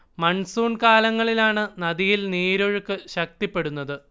monsoon കാലങ്ങളിലാണ് നദിയിൽ നീരൊഴുക്ക് ശക്തിപ്പെടുന്നത്